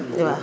waaw